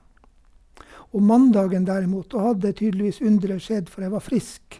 Om mandagen, derimot, da hadde tydeligvis underet skjedd, for jeg var frisk.